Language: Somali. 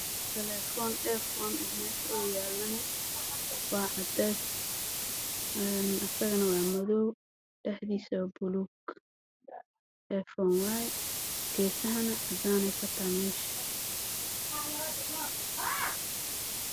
Waa taleefan daran midabkiis yahay madow